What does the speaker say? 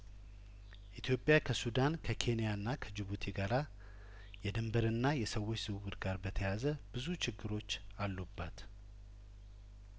ኢትዮጵያ ከሱዳን ከኬንያና ከጅቡቲ ጋራ የድንበርና የሰዎች ዝውውር ጋር በተያያዙ ብዙ ችግሮች አሉባት